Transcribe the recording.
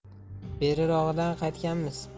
berirog'idan qaytkanmiz